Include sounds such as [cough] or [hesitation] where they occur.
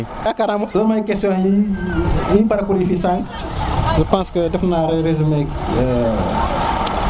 yakar ne 1er question yi ñu wax fi sank je pense que def na resumer [hesitation]